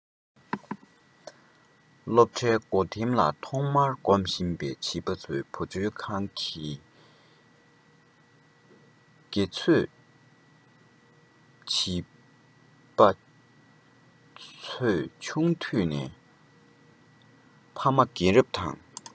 སློབ གྲྭའི སྒོ ཐེམ ལ ཐོག མར འགོམ བཞིན པའི བྱིས པ ཚོའི བུ བཅོལ ཁང གི དགེ ཚོས ན ཆུང བྱིས པ བྱིས པ ཚོས ཆུང དུས ནས ཕ མ རྒན རབས དང